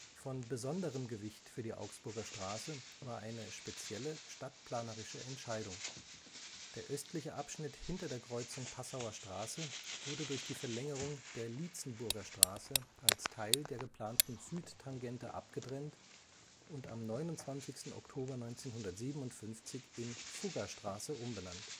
Von besonderem Gewicht für die Augsburger Straße war eine spezielle stadtplanerische Entscheidung: Der östliche Abschnitt hinter der Kreuzung Passauer Straße wurde durch die Verlängerung der Lietzenburger Straße als Teil der geplanten Südtangente abgetrennt und am 29. Oktober 1957 in Fuggerstraße umbenannt